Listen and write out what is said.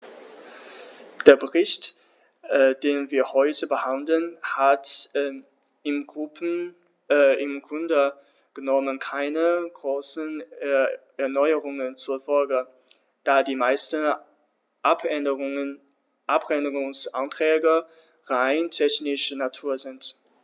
Der Bericht, den wir heute behandeln, hat im Grunde genommen keine großen Erneuerungen zur Folge, da die meisten Abänderungsanträge rein technischer Natur sind.